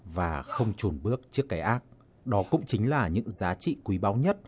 và không chùn bước trước cái ác đó cũng chính là những giá trị quý báu nhất